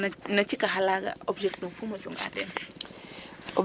Na cikax alaaga objectif fum o cunga teen ?